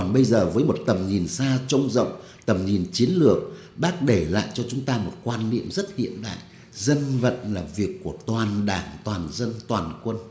còn bây giờ với một tầm nhìn xa trông rộng tầm nhìn chiến lược bác để lại cho chúng ta một quan niệm rất hiện đại dân vận là việc của toàn đảng toàn dân toàn quân